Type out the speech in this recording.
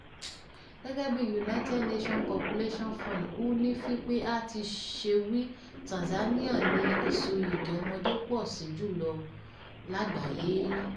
Gẹ́gẹ́ bí United Nations Population Fund (UNFPA) ti ṣe wí, Tanzania ni ìsoyìgì ọmọdé pọ̀ sí jù lọ lágbàáyé.